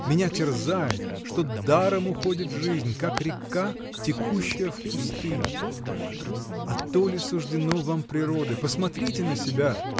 Меня терзает, что даром уходит жизнь, как река, текущая в пустыне. А то ли суждено вам природой? Посмотрите на себя.